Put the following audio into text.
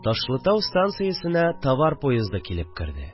Ташлытау станциясенә товар поезды килеп керде